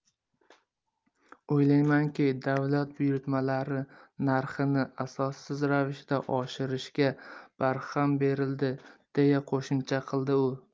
o'ylaymanki davlat buyurtmalari narxini asossiz ravishda oshirishga barham berildi deya qo'shimcha qildi u